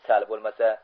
sal bo'lmasa